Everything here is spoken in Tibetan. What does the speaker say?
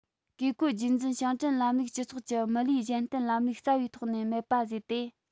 བཀས བཀོད རྒྱུད འཛིན ཞིང བྲན ལམ ལུགས སྤྱི ཚོགས ཀྱི མི ལུས གཞན རྟེན ལམ ལུགས རྩ བའི ཐོག ནས མེད པ བཟོས ཏེ